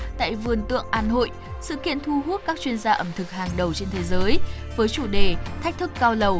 tại vườn tượng an hội sự kiện thu hút các chuyên gia ẩm thực hàng đầu trên thế giới với chủ đề thách thức cao lầu